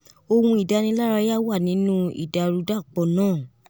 Ohun idanilaraya wa nínú Idarudapọ naa.